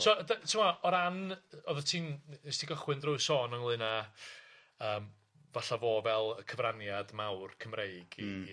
So dy- t'mo' o ran o'ddet ti'n nes ti gychwyn drwy sôn ynglŷn â yym falla fo fel y cyfraniad mawr Cymreig. Hmm. ...i